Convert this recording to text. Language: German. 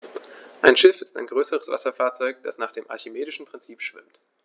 Ein Schiff ist ein größeres Wasserfahrzeug, das nach dem archimedischen Prinzip schwimmt.